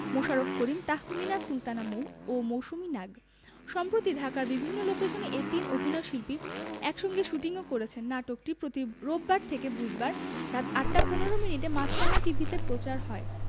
মোশাররফ করিম তাহমিনা সুলতানা মৌ ও মৌসুমী নাগ সম্প্রতি ঢাকার বিভিন্ন লোকেশনে এ তিন অভিনয়শিল্পী একসঙ্গে শুটিংও করেছেন নাটকটি প্রতি রোববার থেকে বুধবার রাত ৮টা ১৫ মিনিটে মাছরাঙা টিভিতে প্রচার হয়